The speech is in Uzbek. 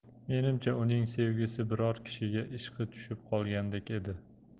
menimcha uning sevgisi biror kishiga ishqi tushib qolgandek edi